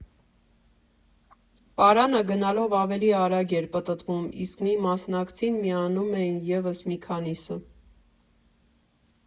Պարանը գնալով ավելի արագ էր պտտվում, իսկ մի մասնակցին միանում էին ևս մի քանիսը։